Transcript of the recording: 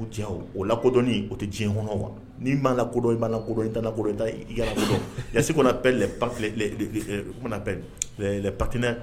O cɛ o, o lakodɔnni o tɛ diɲɛ kɔnɔ quoi n'i ma lakodɔn i ma lakodɔn i taa i ka lakodɔn il y a ce qu'on appelle les pan les e les comment on appelle les partenaires